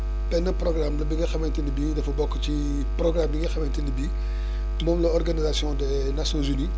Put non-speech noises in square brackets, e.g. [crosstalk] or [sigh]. benn programme la bi nga xamante ni bii dafa bokk ci ci programme bi nga xamante ni bi [breath] moom la organisation des nations unies